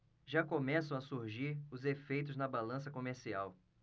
já começam a surgir os efeitos na balança comercial